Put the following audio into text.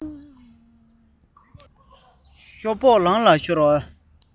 ཤོ སྦག ལང ལ ཤོར པའི